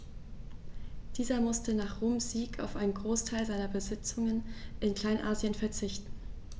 Dieser musste nach Roms Sieg auf einen Großteil seiner Besitzungen in Kleinasien verzichten.